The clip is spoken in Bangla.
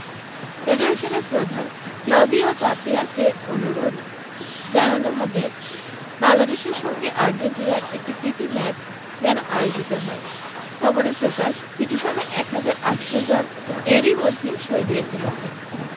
ফেডারেশনের প্রধান ক্লদিও তাপিয়াকে অনুরোধ জানানো হবে বাংলাদেশের সঙ্গে আর্জেন্টিনার একটি প্রীতি ম্যাচ যেন আয়োজিত হয় খবরে প্রকাশ পিটিশনে ১ হাজার ৮০০ জন এরই মধ্যে সই দিয়ে ফেলেছেন